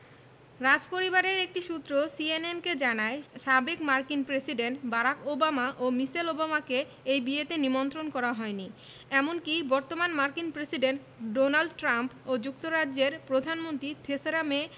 রাজপরিবারের একটি সূত্র সিএনএনকে জানায় সাবেক মার্কিন প্রেসিডেন্ট বারাক ওবামা ও মিশেল ওবামাকে এই বিয়েতে নিমন্ত্রণ করা হয়নি এমনকি বর্তমান মার্কিন প্রেসিডেন্ট ডোনাল্ড ট্রাম্প ও যুক্তরাজ্যের প্রধানমন্ত্রী থেসেরা মে